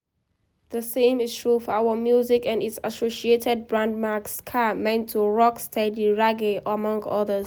The same is true for our music and its associated brand marks, Ska, Mento, Rock Steady, Reggae among others.